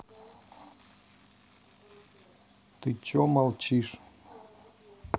ты че молчишь